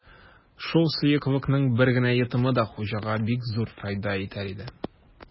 Шул сыеклыкның бер генә йотымы да хуҗага бик зур файда итәр иде.